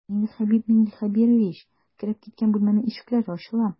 Миңлехәбиб миңлехәбирович кереп киткән бүлмәнең ишекләре ачыла.